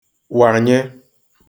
wànye